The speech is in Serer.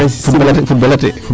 ndaa ndiiki footbaal ate